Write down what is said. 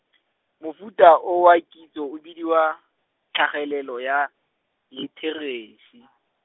mofuta o wa kitso o bidiwa, tlhagelelo ya, litheresi.